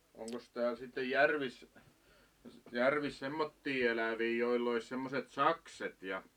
onkos täällä sitten järvissä järvissä semmoisia eläviä joilla olisi semmoiset sakset ja